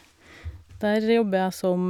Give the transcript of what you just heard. Der jobber jeg som...